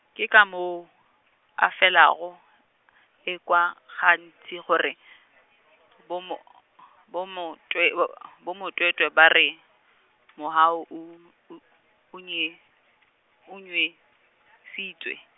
ke ka moo, a felago , e kwa gantši gore, bo mo- , bo motwe- bomatwetwe ba re, mohu o, o o nye-, o nwešitšwe.